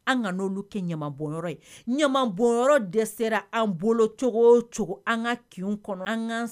An ka n' kɛ ye ɲa bɔ de sera an bolocogo cogo an ka ki kɔnɔ an